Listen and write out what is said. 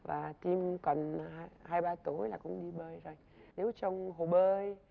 và kim cần hai ba tuổi là con đi bơi nếu trong hồ bơi